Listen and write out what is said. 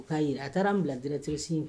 U k'a jira a taara an bila draresi